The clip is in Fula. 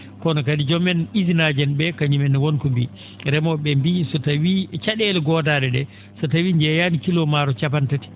kono kadi joom en usine aji en ?e kañumen wonko mbii remoo?e ?ee mbiyi so tawii ca?eele ngoodaa?e ?ee so tawii jeeyaani kiloo maaro capan tati